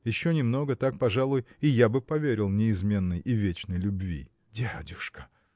Еще немного, так, пожалуй, и я бы поверил неизменной и вечной любви. – Дядюшка!